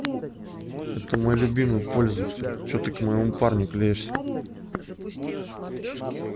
это мой любимый пользователь что ты к моему парню клеешься